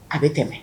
A bɛ tɛmɛ